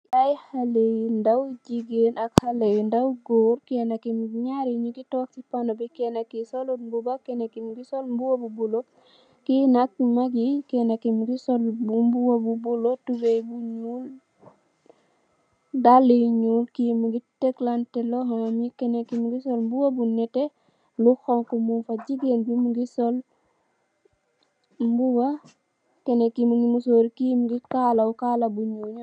Ay xale yu ndaw jigeen, ak xale yu ndaw goor, kene ki, nyaari, nyingi toog si pono bi, keneen ki solut mbuba, kene ki mingi sol mbuba bu bula, ki nak mag yi, kene ki mingi sol mbuba bu bula, tubay bu nyuul, dalle yu nyuul, ki mingi teglante loxom yi, kene ki minigi sol mbuba bu nete, lu xonxu mung fa, jigeen bi mingi sol mbuba, keneen ki minigi musooru, ki mingi kaala hu kaala gu nyuul.